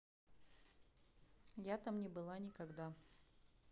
я там не была никогда